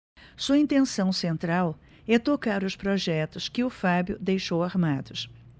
sua intenção central é tocar os projetos que o fábio deixou armados